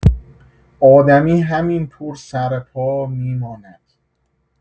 آدمی همین طور سرپا می‌ماند.